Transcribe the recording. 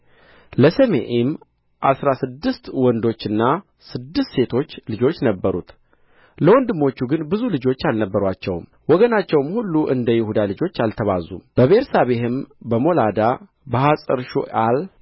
ለሰሜኢም አሥራ ስድስት ወንዶችና ስድስት ሴቶች ልጆች ነበሩት ለወንድሞቹ ግን ብዙ ልጆች አልነበሩአቸውም ወገናቸውም ሁሉ እንደ ይሁዳ ልጆች አልተባዙም በቤርሳቤህም በሞላዳ በሐጸርሹዓል